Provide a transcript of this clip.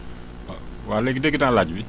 waaw waaw léegi dégg naa laaj wi